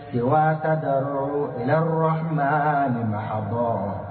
Jeliba wa ka dɔgɔtɔrɔ ma ni mabɔ